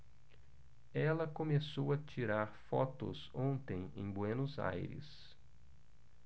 ela começou a tirar fotos ontem em buenos aires